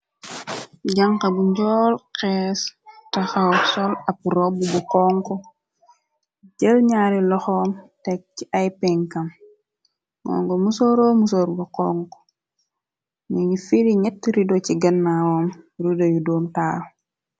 janxa bu njool xees taxaw sol ab rob bu konk jël ñaari loxoom tek ci ay pinkam mongo musoro musorgo konk ñu ngi firi gñett rido ci gennaoom rudo yu doon taaw.